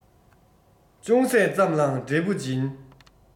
ཅུང ཟད ཙམ ལའང འབྲས བུ འབྱིན